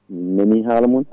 min naani haala moon